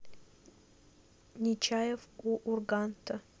нечаев у урганта